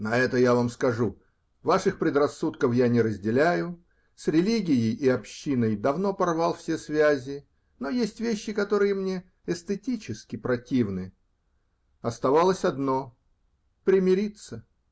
На это я вам скажу: ваших предрассудков я не разделяю, с религией и общиной давно порвал все связи, но есть вещи, которые мне эстетически противны. Оставалось одно: примириться.